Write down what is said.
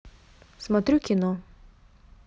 смотрю кино